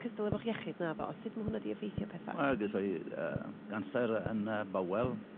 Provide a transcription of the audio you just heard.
cystal efo'ch iechyd naddo, sut ma' hwnna 'di effeithio petha. Wel geso i yym ganser yn y bowel